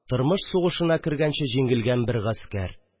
Тормыш сугышына кергәнче җиңелгән бер гаскәр